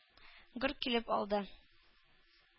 Гөр килеп алды.